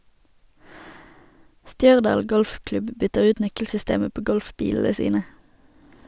Stjørdal golfklubb bytter ut nøkkelsystemet på golfbilene sine.